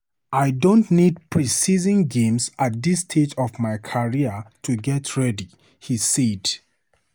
"I don't need preseason games at this stage of my career to get ready," he said.